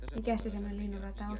mikäs se semmoinen linnunrata on